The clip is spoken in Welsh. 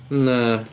Na.